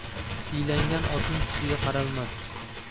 siylangan otning tishiga qaralmas